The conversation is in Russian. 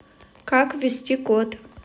как ввести код